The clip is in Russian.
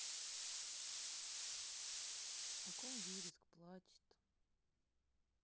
о ком вереск плачет